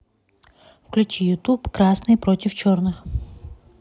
включи ютуб красные против черных